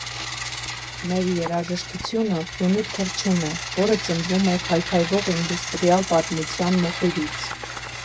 Մեր երաժշտությունը Փյունիկ թռչուն է, որը ծնվում է քայքայվող ինդուստրիալ պետության մոխիրից։